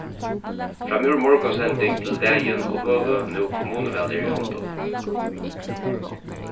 framúr morgunsending til dagin og høvið nú kommunuval er í hondum